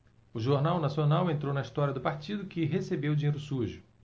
o jornal nacional entrou na história do partido que recebeu dinheiro sujo